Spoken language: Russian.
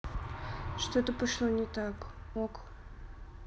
что то пошло не так ok